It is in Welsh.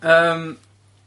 Yym.